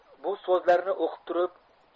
bu so'zlarni o'qib turib